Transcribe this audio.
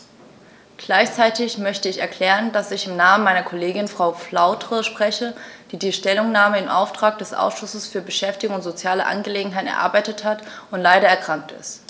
Gleichzeitig möchte ich erklären, dass ich im Namen meiner Kollegin Frau Flautre spreche, die die Stellungnahme im Auftrag des Ausschusses für Beschäftigung und soziale Angelegenheiten erarbeitet hat und leider erkrankt ist.